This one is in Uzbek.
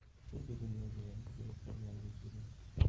xuddi dunyoga yangi kelib qoldek edim